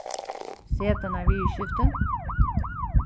setanarviðurskifti